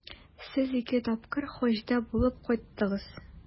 Сез ике тапкыр Хаҗда булып кайттыгыз.